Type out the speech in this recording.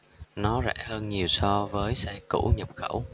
nó rẻ hơn nhiều so với xe cũ nhập khẩu